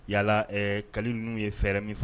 Yalala ka ninnuu ye fɛrɛɛrɛ min fɔ